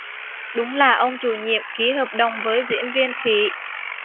đúng là ông chủ nhiệm ký hợp đồng với diễn viên khỉ